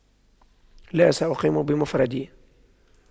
لا سأقيم بمفردي